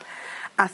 Ath...